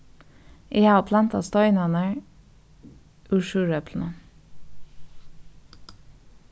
eg havi plantað steinarnar úr súreplinum